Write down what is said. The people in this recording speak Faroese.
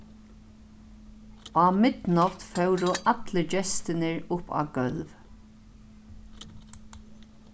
á midnátt fóru allir gestirnir upp á gólv